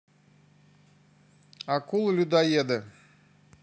акулы людоеды